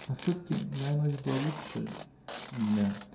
А все-таки моя ночь была лучше дня!